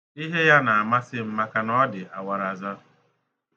Ihe ya na-amasị m maka na ọ dị awaraza.